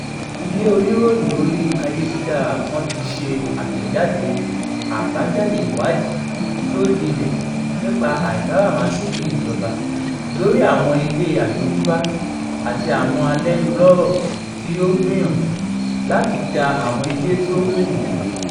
Ilé oníròyìn orí-ayélujára kan ti ṣe àtẹ̀jáde àbájáde ìwádìí tí ó jinlẹ̀ nípa àìkáràmáìsìkí ìjọba lóríi àwọn ilé àjogúnbá àti àwọn alẹ́nulọ́rọ̀ tí ó ń gbìyànjú láti da àwọn ilé tí ó kù wó: